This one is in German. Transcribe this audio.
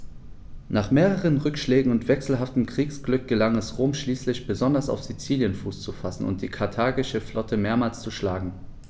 Nach mehreren Rückschlägen und wechselhaftem Kriegsglück gelang es Rom schließlich, besonders auf Sizilien Fuß zu fassen und die karthagische Flotte mehrmals zu schlagen.